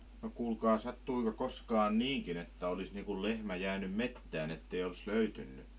no kuulkaa sattuiko koskaan niinkin että olisi niin kuin lehmä jäänyt metsään että ei olisi löytynyt